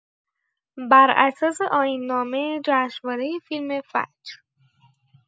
بر اساس آیین‌نامه جشنواره فیلم فجر